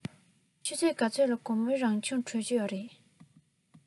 ཆུ ཚོད ག ཚོད ལ དགོང མོའི རང སྦྱོང གྲོལ གྱི རེད